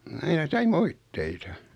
aina sai moitteita